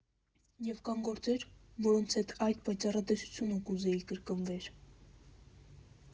Եվ կան գործեր, որոնց հետ այդ պայծառատեսությունը կուզեի՝ կրկնվեր։